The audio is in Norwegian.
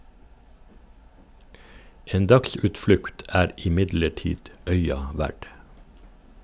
En dagsutflukt er imidlertid øya verd.